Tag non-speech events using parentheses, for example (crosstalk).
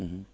(hesitation) (hesitation)